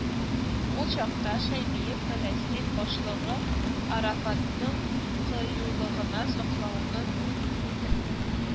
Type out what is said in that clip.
Ул чакта Шәймиев Фәләстин башлыгы Арафатның кыюлыгына соклануын белдерде